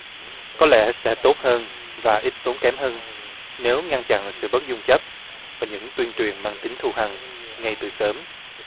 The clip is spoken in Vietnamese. có lẽ sẽ tốt hơn và ít tốn kém hơn nếu ngăn chặn sự bất dung chấp những tuyên truyền mang tính thù hằn ngay từ sớm